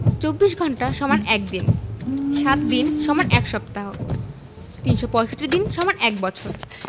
২৪ ঘন্টা = ১ দিন ৭ দিন = ১ সপ্তাহ ৩৬৫ দিন = ১বছর